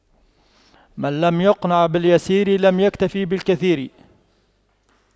من لم يقنع باليسير لم يكتف بالكثير